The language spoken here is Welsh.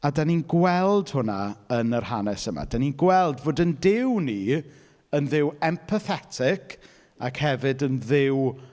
A dan ni'n gweld hwnna yn yr hanes yma. Dan ni'n gweld fod ein Duw ni yn Dduw empathetig, ac hefyd yn Dduw...